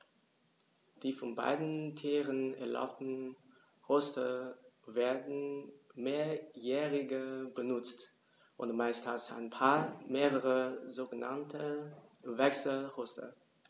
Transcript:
Die von beiden Tieren erbauten Horste werden mehrjährig benutzt, und meist hat ein Paar mehrere sogenannte Wechselhorste.